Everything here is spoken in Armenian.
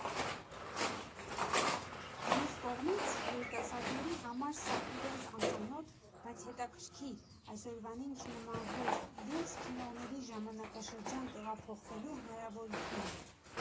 Մյուս կողմից՝ երիտասարդների համար սա իրենց անծանոթ, բայց հետաքրքիր, այսօրվանին չնմանվող, իրենց ծնողների ժամանակաշրջան տեղափոխվելու հնարավորություն է։